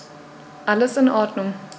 Alles in Ordnung.